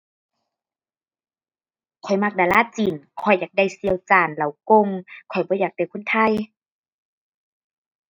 ข้อยมักดาราจีน ข้อยอยากได้เซียวจ้านเหล่ากง ข้อยบ่อยากได้คนไทย